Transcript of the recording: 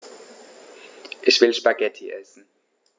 Ich will Spaghetti essen.